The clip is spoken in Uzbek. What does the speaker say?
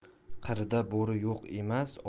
qirda bo'ri yo'q emas